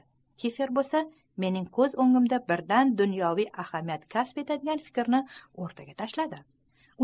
kiffer bolsa mening koz ongimda birdan dunyoviy ahamiyat kasb etadigan fikrni ortaga tashladi